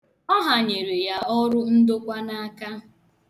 Ọ hanyere ya ọrụ ndokwa n'aka.